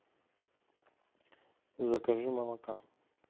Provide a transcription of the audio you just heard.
закажи молока